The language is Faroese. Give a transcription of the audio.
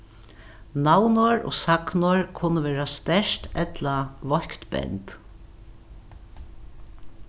navnorð og sagnorð kunnu vera sterkt ella veikt bend